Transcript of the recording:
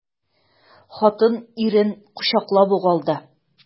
Хатын ирен кочаклап ук алды.